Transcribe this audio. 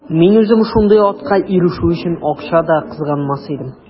Мин үзем шундый атка ирешү өчен акча да кызганмас идем.